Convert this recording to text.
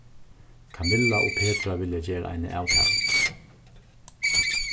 kamilla og petra vilja gera eina avtalu